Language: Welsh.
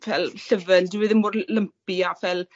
fel llyfyr dyw e ddim mor l lumpy a fel